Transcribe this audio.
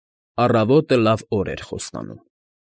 Առավոտը լավ օր էր խոստանում։